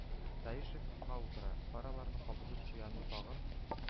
Таишев рульгә утыра, фараларны кабызып куянны тагын